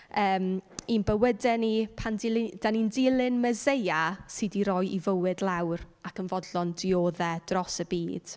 Yym, i'n bywydau ni, pan dily-... dan ni'n dilyn Meseia sy 'di rhoi ei fywyd lawr ac yn fodlon dioddef dros y byd.